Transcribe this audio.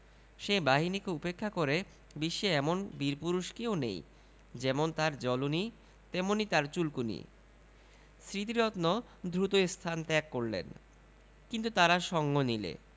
সে বাহিনীকে উপেক্ষা করে বিশ্বে এমন বীরপুরুষ কেউ নেই যেমন তার জ্বলুনি তেমনি তার চুলকুনি স্মৃতিরত্ন দ্রুত স্থান ত্যাগ করলেন কিন্তু তারা সঙ্গ নিলে